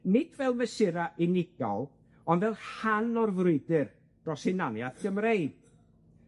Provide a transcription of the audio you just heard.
nid fel mesura' unigol, ond fel rhan o'r frwydyr dros hunaniath Gymreig.